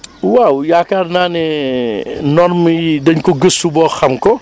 waaw yaakaar naa ne normes yi dañ ko gëstu ba xam ko